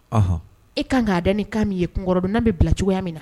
Ɔhɔ e kan k'ad ni k' min ye kun kɔrɔdon'an bɛ bila cogoya min na